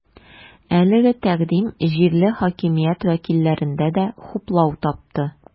Әлеге тәкъдим җирле хакимият вәкилләрендә дә хуплау тапты.